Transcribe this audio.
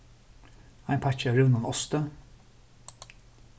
ein pakki av rivnum osti